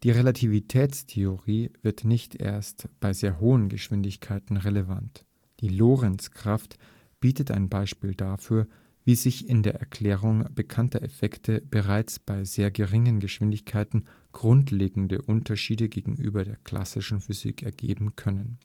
Relativitätstheorie wird nicht erst bei sehr hohen Geschwindigkeiten relevant. Die Lorentzkraft bietet ein Beispiel dafür, wie sich in der Erklärung bekannter Effekte bereits bei sehr geringen Geschwindigkeiten grundlegende Unterschiede gegenüber der klassischen Physik ergeben können